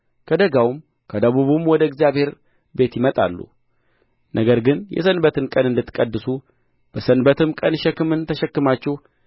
ከደጋውም ከደቡብም ወደ እግዚአብሔር ቤት ይመጣሉ ነገር ግን የሰንበትን ቀን እንድትቀድሱ በሰንበትም ቀን ሸክምን ተሸክማችሁ